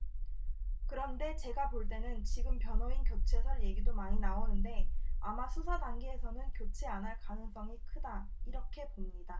그런데 제가 볼 때는 지금 변호인 교체설 얘기도 많이 나오는데 아마 수사 단계에서는 교체 안 할 가능성이 크다 이렇게 봅니다